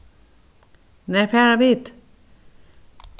nær fara vit